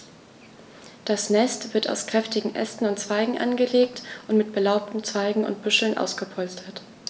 Das Nest wird aus kräftigen Ästen und Zweigen angelegt und mit belaubten Zweigen und Büscheln ausgepolstert.